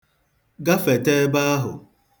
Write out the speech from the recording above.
Gafeta ebe ahụ.